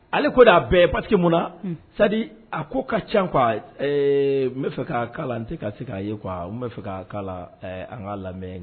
Ale ko de a bɛɛ parce que mun na c'est à dire a ko ka ca quoi ɛɛ n bɛ fɛ k'a kalan n tɛ k'a se k'a ye quoi n tun bɛ fɛ k'a k'a la ɛɛ an k'a lamɛn